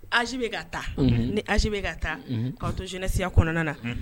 Aze bɛ ka taa ni aze ka taa kaa to zinasiya kɔnɔna na